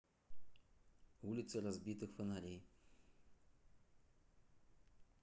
улица разбитых фонарей